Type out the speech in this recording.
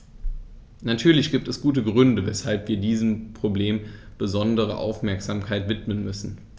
Natürlich gibt es gute Gründe, weshalb wir diesem Problem besondere Aufmerksamkeit widmen müssen.